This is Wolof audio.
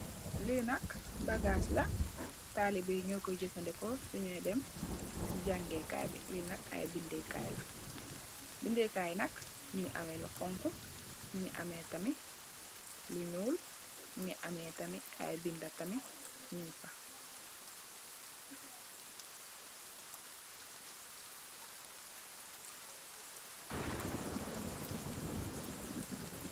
Li nak bagaas la talibeh yi ño koy jafandiko su ñoy dem ci jangèè kay bi, li nak ay bindé kay la. Bindé kay yi nak mugii ameh lu xonxu, mugii ameh tamit lu ñuul mugii ameh tamit ay bindé ñing fa.